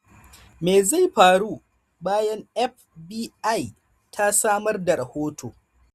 Me zai faru bayan FBI ta samar da rahoto?